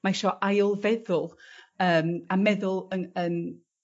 mae isio ailfeddwl yym a meddwl yn yn